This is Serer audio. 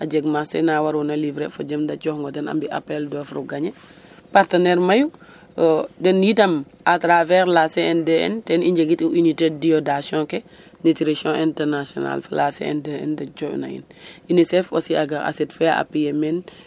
A jeg marcher na waroona livrer fo jem da cooxoong o ten a mbi' appel d offre o gagner partenaire mayu den itam a travers la Cndn ten i njegit'u unité d' iodation ke nutrition international fo la Sndn de cooxna in unicef aussi a ga a sit fe a appuyer in